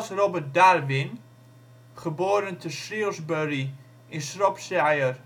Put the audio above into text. Robert Darwin (Shrewsbury (Shropshire